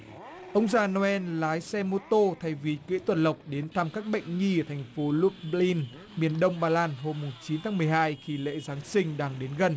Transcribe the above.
ông già nô en lái xe mô tô thay vì cưỡi tuần lộc đến thăm các bệnh nhi thành phố lúc bơ lin miền đông ba lan hôm mùng chín tháng mười hai kỳ lễ giáng sinh đang đến gần